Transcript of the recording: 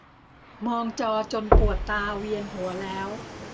มองจอจนปวดตาเวียนหัวแล้ว